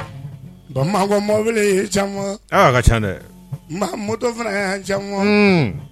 Bɔn maako mɔbili ka ca dɛ mɔdɔn fana y'